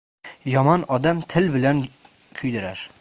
yomon odam til bilan kuydirar